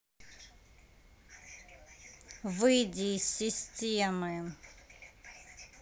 выйди из системы